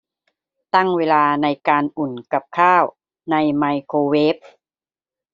ตั้งเวลาในการอุ่นกับข้าวในไมโครเวฟ